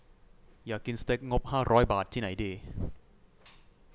อยากกินสเต็กงบห้าร้อยบาทที่ไหนดี